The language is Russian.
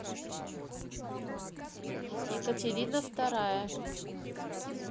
екатерина вторая